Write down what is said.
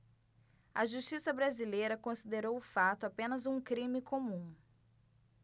a justiça brasileira considerou o fato apenas um crime comum